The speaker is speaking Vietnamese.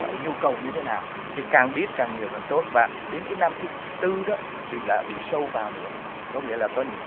nhu cầu như thế nào thì càng biết càng nhiều càng tốt và đến cái năm thứ tư thì là đi sâu vào nữa có nghĩa là có những